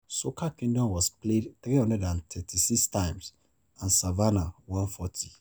Soca Kingdom was played 336 times, and "Savannah" 140.